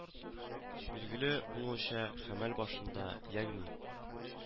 Билгеле булуынча, хәмәл башында, ягъни